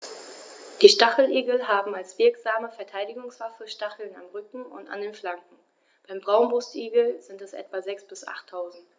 Die Stacheligel haben als wirksame Verteidigungswaffe Stacheln am Rücken und an den Flanken (beim Braunbrustigel sind es etwa sechs- bis achttausend).